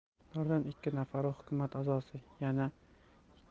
ulardan ikki nafari hukumat a'zosi yana